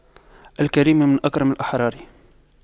الكريم من أكرم الأحرار